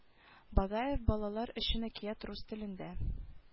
Багаев балалар өчен әкият рус телендә